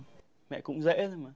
mẹ cũng dễ thôi mà